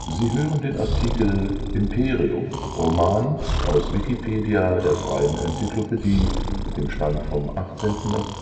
Sie hören den Artikel Imperium (Harris), aus Wikipedia, der freien Enzyklopädie. Mit dem Stand vom Der